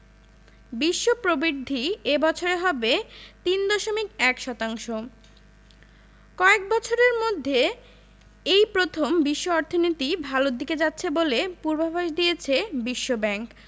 বিশ্ব প্রবৃদ্ধি এ বছর হবে ৩.১ শতাংশ কয়েক বছরের মধ্যে এই প্রথম বিশ্ব অর্থনীতি ভালোর দিকে যাচ্ছে বলে পূর্বাভাস দিয়েছে বিশ্বব্যাংক